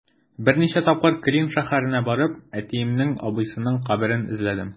Берничә тапкыр Клин шәһәренә барып, әтиемнең абыйсының каберен эзләдем.